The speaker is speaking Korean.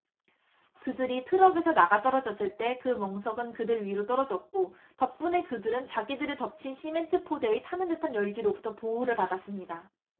그들이 트럭에서 나가떨어졌을 때 그 멍석은 그들 위로 떨어졌고 그 덕분에 그들은 자기들을 덮친 시멘트 포대의 타는 듯한 열기로부터 보호를 받았습니다